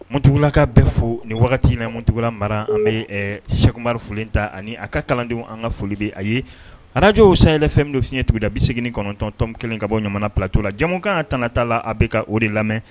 Muntugulaka bɛ fo nin wagati in na Muntugula mara an be ɛ Cheick Oumar Folenta ani a ka kalandenw an ŋa foli be a ye Radio Sahel FM don fiɲɛtuguda 89.1 ka bɔ Ɲamana plateau la jamukan TANA TAALA a' be ka o de lamɛ